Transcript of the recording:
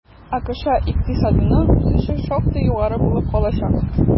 АКШ икътисадының үсеше шактый югары булып калачак.